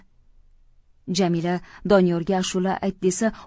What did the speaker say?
jamila doniyorga ashula ayt desa